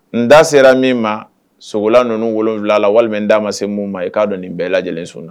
N da sera min ma sogola ninnu wolo wolonwula la walima n d'a ma se min ma i k'a dɔn nin bɛɛ lajɛlen sun na